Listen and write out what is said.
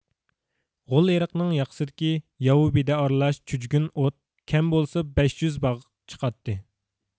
غول ئېرىقنىڭ ياقىسىدىكى ياۋا بېدە ئارىلاش چۈجگۈن ئوت كەم بولسا بەش يۈز باغ چىقاتتى